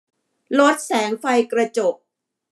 ลดแสงไฟกระจก